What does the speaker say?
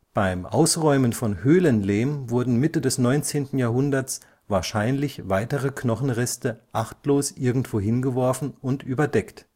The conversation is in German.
Beim Ausräumen von Höhlenlehm wurden Mitte des 19. Jahrhunderts wahrscheinlich weitere Knochenreste achtlos irgendwo hingeworfen und überdeckt